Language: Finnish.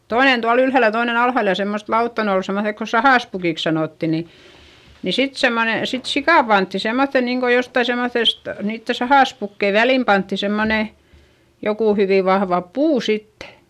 toinen tuolla ylhäällä ja toinen alhaalla ja semmoista lautaa ne oli semmoiset kun sahaspukiksi sanottiin niin niin sitten semmoinen sitten sika pantiin semmoiseen niin kuin jotakin semmoisesta niiden sahaspukkien väliin pantiin semmoinen joku hyvin vahva puu sitten